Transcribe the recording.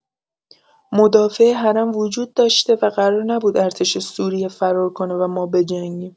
مدافع حرم وجود داشته و قرار نبود ارتش سوریه فرار کنه و ما بجنگیم